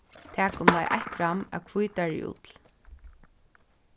tak umleið eitt gramm av hvítari ull